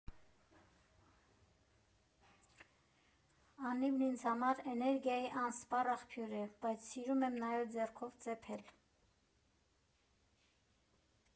Անիվն ինձ համար էներգիայի անսպառ աղբյուր է, բայց սիրում եմ նաև ձեռքով ծեփել։